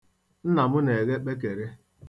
Nna m na-eghe kpekere.